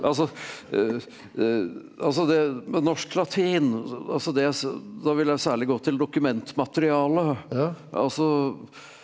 altså altså det med norsk latin altså det da vil jeg særlig gå til dokumentmaterialet altså.